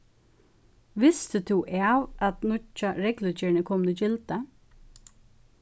visti tú av at nýggja reglugerðin er komin í gildi